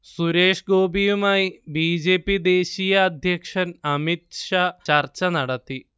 സുരേഷ് ഗോപിയുമായി B. J. P ദേശീയഅധ്യക്ഷൻ അമിത്ഷാ ചർച്ച നടത്തി